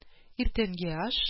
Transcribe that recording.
Иртәнге аш